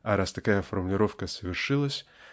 а раз такая формулировка совершилась